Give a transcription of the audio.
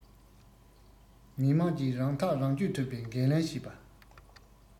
མི དམངས ཀྱིས རང ཐག རང གཅོད ཐུབ པའི འགན ལེན བྱེད པ